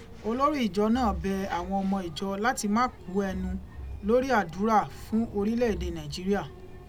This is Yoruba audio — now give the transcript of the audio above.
Olórí ìjọ náà bẹ àwọn ọmọ ìjọ láti má kú ẹnu lórí àdúrà fún orílẹ̀ èdè Nàìjíríà.